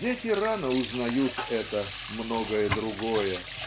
Дети рано узнают это "многое другое".